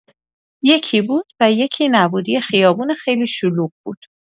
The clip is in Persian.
یکی بود و یکی نبود، یه خیابون خیلی شلوغ بود.